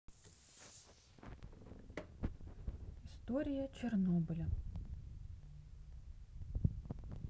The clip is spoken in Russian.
история чернобыля